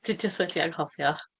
Ti jyst wedi anghofio.